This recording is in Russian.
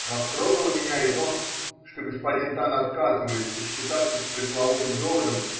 Растрогало меня и то, что господин Тан отказывается считаться с пресловутым доводом.